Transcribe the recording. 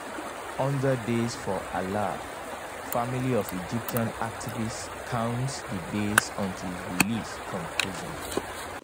100 days for Alaa: Family of Egyptian activist counts the days until his release from prison